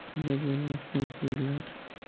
quda bo'lmoqchimisizlar